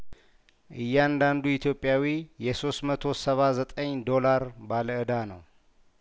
እያንዳንዱ ኢትዮጵያዊ የሶስት መቶ ሰባ ዘጠኝ ዶላር ባለእዳ ነው